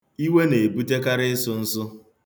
Iwe na-ebutekarị ịsụ nsụ.